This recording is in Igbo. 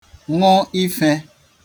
ṅụ ife